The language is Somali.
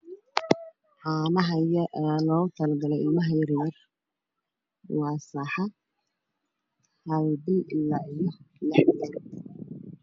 Waaga gasacado midifkoodu yihiin caddaan waxay saaran yihiin iska faallo way is dulsasaran yihiin